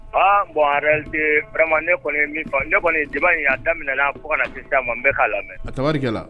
Aa bon te farama ne kɔni ne kɔni jama in y'a daminɛmin fo ka na sisan n bɛ k'a la